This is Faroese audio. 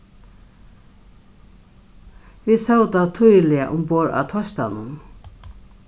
vit sóu tað týðiliga umborð á teistanum